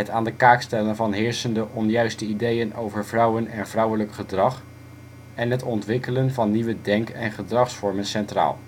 aan de kaak stellen van heersende onjuiste ideeën over vrouwen en vrouwelijk gedrag en het ontwikkelen van nieuwe denk - en gedragsvormen centraal